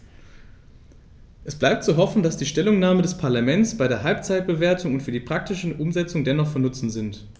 Es bleibt zu hoffen, dass die Stellungnahmen des Parlaments bei der Halbzeitbewertung und für die praktische Umsetzung dennoch von Nutzen sind.